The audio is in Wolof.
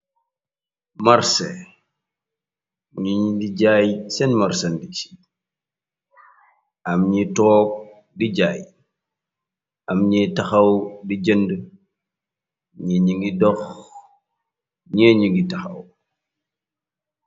Marsa ñii di jaay sèèn marsandise am ñi tóóg di jaay am ñi taxaw di jënda ñi ñi ngi dox ñeeni ngi taxaw.